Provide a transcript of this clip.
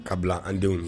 Kabila bila an denw ye